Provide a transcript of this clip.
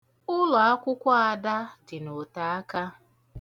Ụlọakwụkwọ Ada dị n'otaaka.